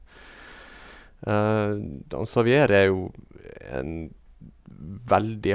d Og han Xavier er jo en veldig...